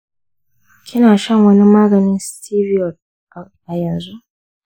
kina shan wani maganin steroid a yanzu?